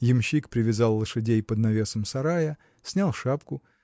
Ямщик привязал лошадей под навесом сарая снял шапку